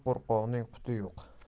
qo'rqoqning quti yo'q